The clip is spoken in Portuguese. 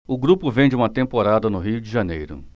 o grupo vem de uma temporada no rio de janeiro